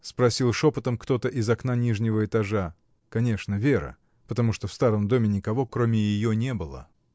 — спросил шепотом кто-то из окна нижнего этажа, — конечно, Вера, потому что в старом доме никого, кроме ее, не было.